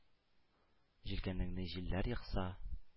Җилкәнеңне җилләр екса –